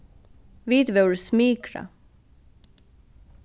vit vóru smikrað